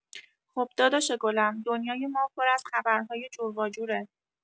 خب داداش گلم، دنیای ما پر از خبرهای جورواجوره!